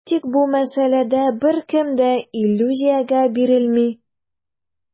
Тик бу мәсьәләдә беркем дә иллюзиягә бирелми.